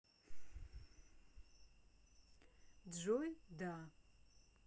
джой да